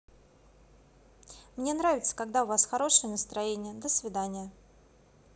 мне нравится когда у вас хорошее настроение до свидания